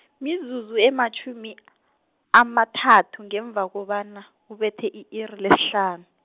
mizuzu ematjhumi, amathathu, ngemva kobana, kubethe i-iri lesihlanu.